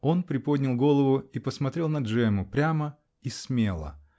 Он приподнял голову и посмотрел на Джемму -- прямо и смело.